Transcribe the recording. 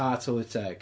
A tylwyth teg.